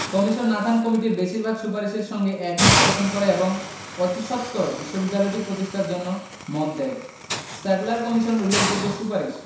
commission Nathan কমিটির বেশির ভাগ সুপারিশের সঙ্গে একমত পোষণ করে এবং অতিসত্বর বিশ্ববিদ্যালয়টি প্রতিষ্ঠার জন্য মত দেয় স্যাডলার কমিশনের উল্লেখযোগ্য সুপারিশ: